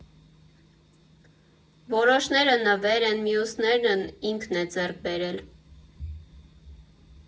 Որոշները նվեր են, մյուսներն ինքն է ձեռք բերել։